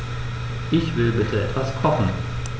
Ich will bitte etwas kochen.